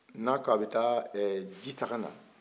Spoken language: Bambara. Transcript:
n'a ko a bɛ taa ji ta ka na